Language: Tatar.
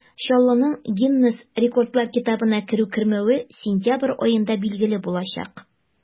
Чаллының Гиннес рекордлар китабына керү-кермәве сентябрь аенда билгеле булачак.